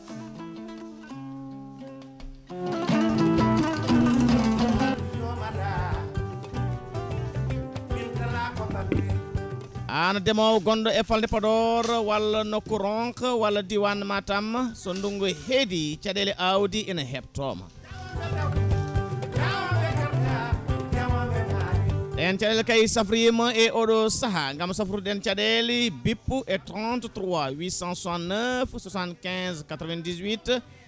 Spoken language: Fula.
an ndeemowo gonɗo e fanlde Podor walla nokko ronka walla diwan Matam so ndugngu heedi caɗele awdi ene heptoma ɗen caɗele kay safroyima e oɗo saaha gaam safrude ɗen caɗele bippu e 33 869 75 98